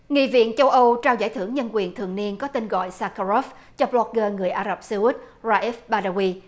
nghị viện châu âu trao giải thưởng nhân quyền thường niên có tên gọi sa ca róp cho bờ lốc gơ người ả rập xê út ra ép ba đa guy